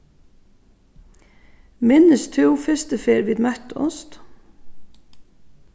minnist tú fyrstu ferð vit møttust